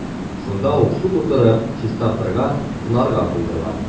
Шунда ук су тутырып, чистарырга – тонарга куйдылар.